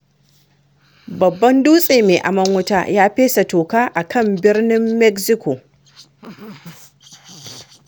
Babban dutse mai amon wuta ya fesa toka a kan Birnin Mexico